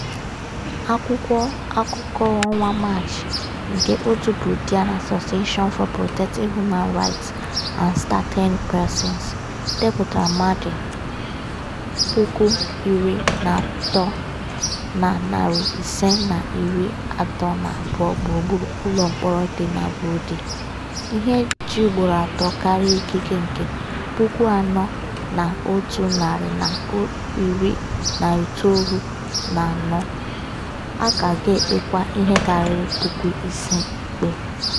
Akwụkwọ akụkọ ọnwa Maachị nke òtù Burundian Association for Protecting Human Rights and Statained Persons (APRODH) depụtara mmadụ 13,532 gburugburu ụlọmkpọrọ dị na Burundi, ihe ji ugboro atọ karịa ikike nke 4,194; A ka ga-ekpekwa ihe karịrị 5,000 ikpe.